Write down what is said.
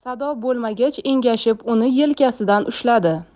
sado bo'lmagach engashib uni yelkasidan ushladi